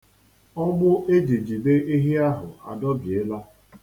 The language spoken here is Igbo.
Ọgbụ e ji jide ehi ahụ adobiela.